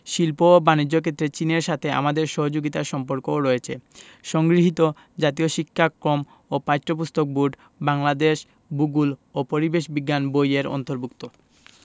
শিল্প ও বানিজ্য ক্ষেত্রে চীনের সাথে আমাদের সহযোগিতার সম্পর্কও রয়েছে সংগৃহীত জাতীয় শিক্ষাক্রম ও পাঠ্যপুস্তক বোর্ড বাংলাদেশ ভূগোল ও পরিবেশ বিজ্ঞান বই এর অন্তর্ভুক্ত